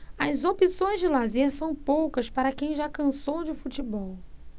as opções de lazer são poucas para quem já cansou de futebol